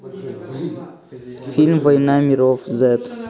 фильм война миров зед